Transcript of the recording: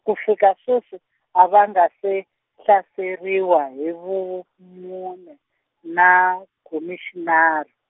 ku fika sweswi, a va nga se, hlaseriwa hi Vumune na Khomixinari.